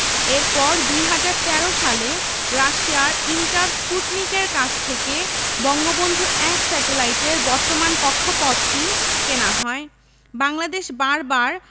এরপর ২০১৩ সালে রাশিয়ার ইন্টারস্পুটনিকের কাছ থেকে বঙ্গবন্ধু ১ স্যাটেলাইটের বর্তমান কক্ষপথটি কেনা হয় বাংলাদেশ বারবার